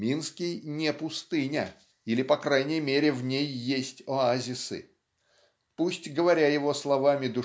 Минский - не пустыня; или, по крайней мере, в ней есть оазисы. Пусть говоря его словами